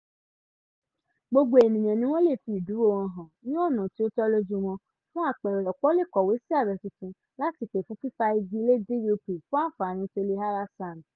Gbogbo ènìyàn ní wọ́n lè fi ìdúró wọn hàn ní ọ̀nà tí ó tọ́ lójú wọn - fún àpẹẹrẹ, ọ̀pọ̀ lè kọ̀wé sí ààrẹ tuntun láti pè fún fífa igi le DUP fún àǹfààní Toliara Sands.